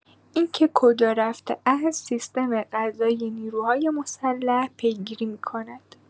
اینکه کجا رفته است، سیستم قضائی نیروهای مسلح پیگیری می‌کند.